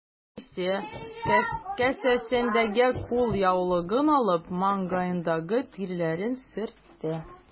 Әтисе, кесәсендәге кулъяулыгын алып, маңгаендагы тирләрен сөртте.